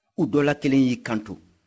u dɔ la kelen y'i kanto